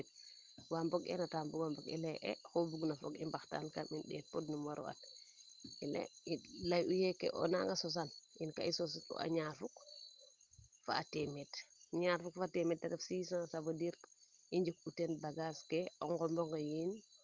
tamit waa mbong eerna taa mbungo mbong i leye e oxu bug na fog i mbaxtaan tan i ndeet podnum waro at kene i ley u yee ona nga sosan in ka i sosit u a ñaar fukk fa a temeed ñaar fuk fo temeed ten ref 600 ca veux dire i nji u teen bagage ke yiin o ngomo nge yiin